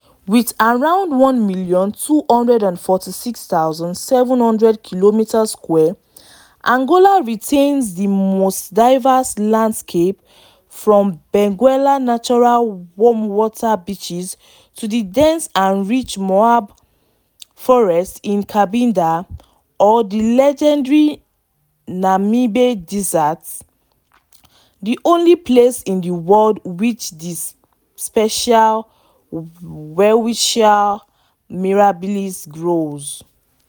With around 1,246,700 km2, Angola retains the most diverse landscapes, from Benguela‘s naturally warm water beaches to the dense and rich Maiombe forest in Cabinda or the legendary Namibe desert, the only place in the world where the special welwitschia mirabilis grows.